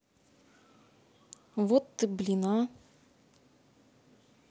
вот ты блин а